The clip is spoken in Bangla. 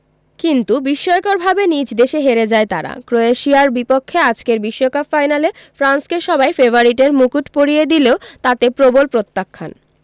কিন্তু বিস্ময়করভাবে নিজ দেশে হেরে যায় তারা ক্রোয়েশিয়ার বিপক্ষে আজকের বিশ্বকাপ ফাইনালে ফ্রান্সকে সবাই ফেভারিটের মুকুট পরিয়ে দিলেও তাতে প্রবল প্রত্যাখ্যান